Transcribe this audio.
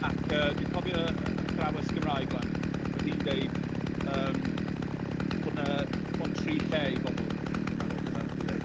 Ac yy, dwi'n cofio yy yr athrawes Gymraeg 'wan. Oedd hi'n deud, yym, bod 'na dim ond tri lle i bobl, dwi dwi dwi'n meddwl dyna wnaeth hi ddeud.